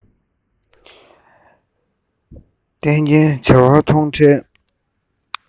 སྟ གོན བྱ བ མཐོང འཕྲལ